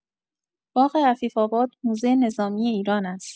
باغ عفیف‌آباد موزه نظامی ایران است.